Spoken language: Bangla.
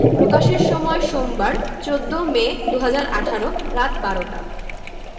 প্রকাশের সময় সোমবার ১৪ মে ২০১৮ রাত ১২টা